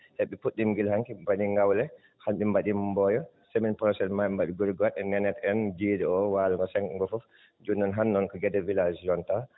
eeyi ɓe puɗɗiima gila hanki ɓe mbaɗii ŋawle hannde ɓe mbaɗii Mboyo semaine prochaine maa ɓe mbaaɗ gure goɗɗe enen ne en jeeri oo waalo ngo senngo ngoo fof jooni noon hannde noon ko Guédé village yontaa